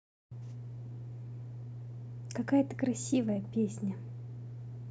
какая ты красивая песня